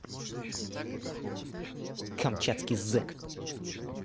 камчатский зек